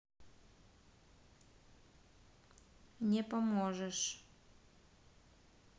не поможешь